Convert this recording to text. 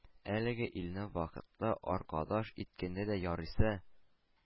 Әлеге илне вакытлы аркадаш иткәндә дә ярыйсы.